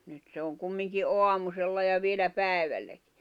nyt se on kumminkin aamusella ja vielä päivälläkin